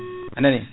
a anani